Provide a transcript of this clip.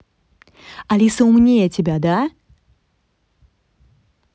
алиса умнее тебя да